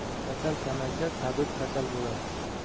kasal kamaysa tabib kasal bo'lar